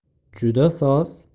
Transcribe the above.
juda soz